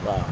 waaw